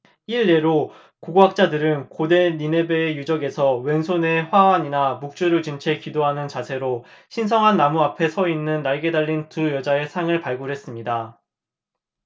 일례로 고고학자들은 고대 니네베의 유적에서 왼 손 에 화환이나 묵주를 쥔 채 기도하는 자세로 신성한 나무 앞에 서 있는 날개 달린 두 여자의 상을 발굴했습니다